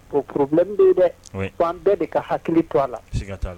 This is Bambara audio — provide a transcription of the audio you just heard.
Porobi bɛ dɛ an bɛɛ de ka hakili to a la